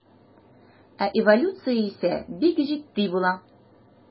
Ә эволюция исә бик җитди була.